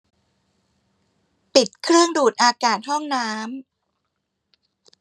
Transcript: ปิดเครื่องดูดอากาศห้องน้ำ